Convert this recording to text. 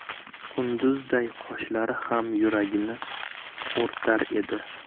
qunduzday qoshlari ham yuragini o'rtar edi